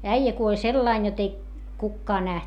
äijä kuoli sillä lailla jotta ei kukaan nähnyt